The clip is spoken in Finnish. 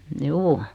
juu